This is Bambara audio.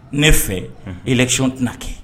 Ne fɛ ikicon tɛna kɛ